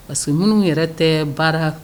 Parce minnu yɛrɛ tɛ baara